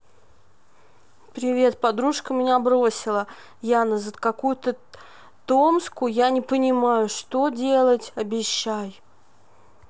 привет подружка меня бросила яна за какую то томску я не понимаю что делать обещай